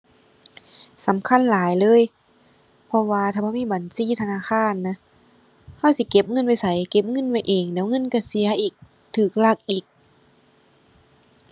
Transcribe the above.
สำคัญหลายเลย เพราะว่าถ้าบ่มีบัญชีธนาคารนะ เราสิเก็บเงินไว้ไส เก็บเงินไว้เองเดี๋ยวเงินเราเสียอีก เราลักอีก